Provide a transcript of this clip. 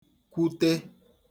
kwute